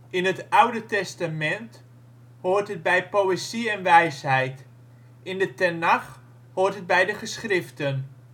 In het Oude Testament hoort het bij Poëzie en wijsheid. In de Tenach, hoort het bij de Geschriften